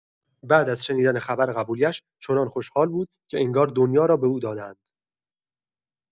بعد از شنیدن خبر قبولی‌اش، چنان خوشحال بود که انگار دنیا را به او داده‌اند.